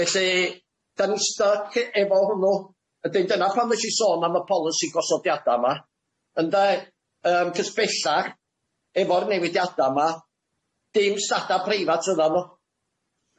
Felly dan ni'n styc he- efo hwnnw ydyn dyna pam nesh i sôn am y polisi gosodiada yma ynde yym chos bellach efo'r newidiada yma dim stada preifat fyddan nw,